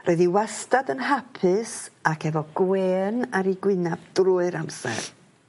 roedd hi wastad yn hapus ac efo gwên ar 'u gwynab drwy'r amser.